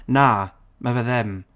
Na ma fe ddim.